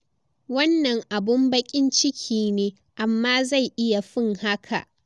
Wannan abun bakin ciki ne, amma zai iya fin haka. "